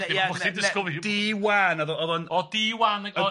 Ie ie di wan oedd o oedd o'n. O di wan o yw.